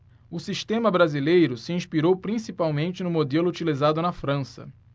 o sistema brasileiro se inspirou principalmente no modelo utilizado na frança